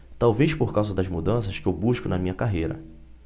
talvez por causa das mudanças que eu busco na minha carreira